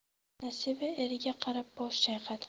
nasiba eriga qarab bosh chayqadi